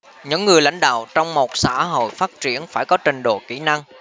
những người lãnh đạo trong một xã hội phát triển phải có trình độ kỹ năng